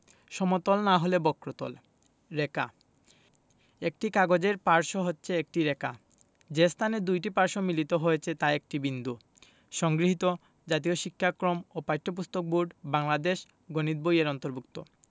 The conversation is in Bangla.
সমতল না হলে বক্রতল রেখাঃ একটি কাগজের পার্শ্ব হচ্ছে একটি রেখা যে স্থানে দুইটি পার্শ্ব মিলিত হয়েছে তা একটি বিন্দু সংগৃহীত জাতীয় শিক্ষাক্রম ও পাঠ্যপুস্তক বোর্ড বাংলাদেশ গণিত বই-এর অন্তর্ভুক্ত